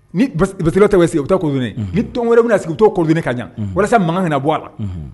Ni bɛtu tɛ bɛ sigi u bɛ tɛ ni tɔn wɛrɛ bɛna sigi to ka jan walasa makan min bɔ a la